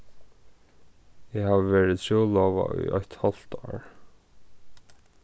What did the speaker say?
eg havi verið trúlovað í eitt hálvt ár